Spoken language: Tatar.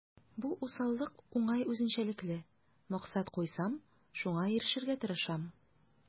Бу усаллык уңай үзенчәлекле: максат куйсам, шуңа ирешергә тырышам.